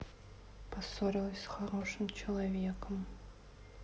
поссорилась с хорошим человеком